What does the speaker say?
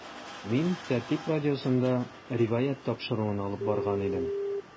“мин “тәртип” радиосында “риваять” тапшыруын алып барган идем.